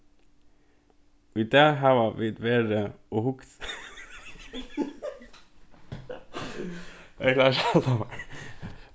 í dag hava vit verið og hugt eg klári ikki at halda mær